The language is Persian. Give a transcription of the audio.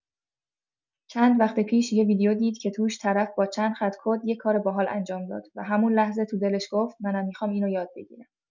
چند وقت پیش یه ویدیو دید که توش طرف با چند خط کد یه کار باحال انجام داد، و همون لحظه تو دلش گفت: «منم می‌خوام اینو یاد بگیرم.»